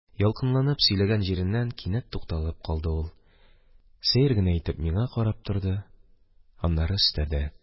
Ялкынланып сөйләгән җиреннән кинәт тукталып калды ул, сәер генә итеп миңа карап торды, аннары өстәде: